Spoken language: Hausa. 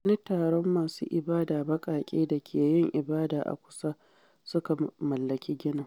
Wani taron masu ibada baƙaƙe da ke yin ibada a kusa suka mallaki ginin.